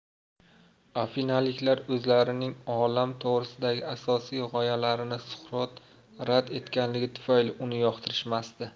afinaliklar o'zlaryning olam to'g'risidagi asosiy goyalarini suqrot rad etganligi tufayli uni yoqtirishmasdi